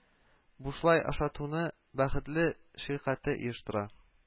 Бушлай ашатуны Бәхетле ширкате оештыра